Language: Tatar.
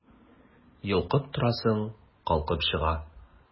Йолкып торасың, калкып чыга...